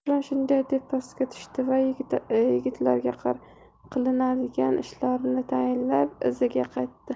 davron shunday deb pastga tushdi da yigitlarga qilinadigan ishlarni tayinlab iziga qaytdi